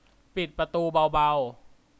ปิดประตูเบาๆ